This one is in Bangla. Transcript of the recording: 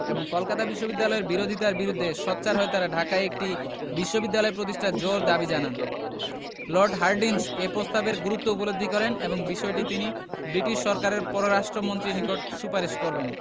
এবং কলকাতা বিশ্ববিদ্যালয়ের বিরোধিতার বিরুদ্ধে সোচ্চার হয়ে তারা ঢাকায় একটি বিশ্ববিদ্যালয় প্রতিষ্ঠার জোর দাবি জানান লর্ড হার্ডিঞ্জ এ প্রস্তাবের গুরুত্ব উপলব্ধি করেন এবং বিষয়টি তিনি ব্রিটিশ সরকারের পররাষ্ট্র মন্ত্রীর নিকট সুপারিশ করবেন